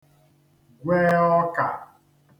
gwe ọkà